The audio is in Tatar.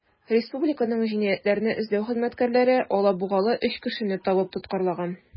Республиканың җинаятьләрне эзләү хезмәткәрләре алабугалы 3 кешене табып тоткарлаган.